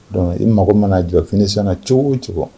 Bon i mago mana jɔ finition na cogo o cogo